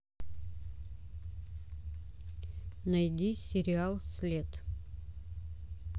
найди сериал след